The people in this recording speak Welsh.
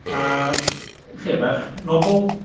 A lle bach nobl.